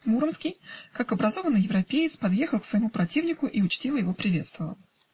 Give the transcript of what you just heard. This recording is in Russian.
Муромский, как образованный европеец, подъехал к своему противнику и учтиво его приветствовал.